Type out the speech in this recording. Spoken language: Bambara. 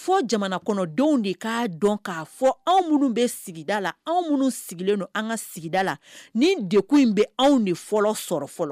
Fɔ jamana kɔnɔdenw de k'a dɔn k'a fɔ anw minnu bɛ sigida la anw minnu sigilen don an ka sigida la ni de in bɛ anw de fɔlɔ sɔrɔ fɔlɔ